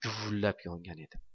guvillab yongan edi